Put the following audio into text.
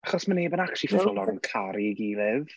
Achos mae neb yn actually full on caru'i gilydd.